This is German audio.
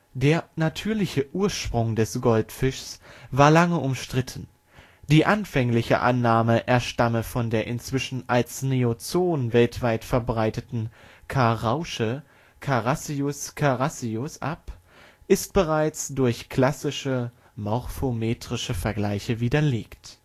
Der natürliche Ursprung des Goldfischs war lange umstritten. Die anfängliche Annahme, er stamme von der inzwischen als Neozoon weltweit verbreiteten Karausche, Carassius carassius (Linnaeus 1758), ab, ist bereits durch klassische morphometrische Vergleiche widerlegt